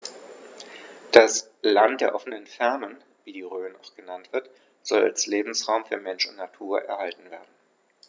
Das „Land der offenen Fernen“, wie die Rhön auch genannt wird, soll als Lebensraum für Mensch und Natur erhalten werden.